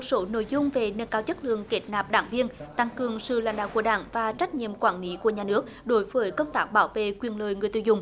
số nội dung về nâng cao chất lượng kết nạp đảng viên tăng cường sự lãnh đạo của đảng và trách nhiệm quản lý của nhà nước đối với công tác bảo vệ quyền lợi người tiêu dùng